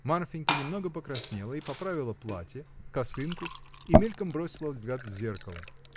Марфинька немного покраснела и поправила платье, косынку и мельком бросила взгляд в зеркало.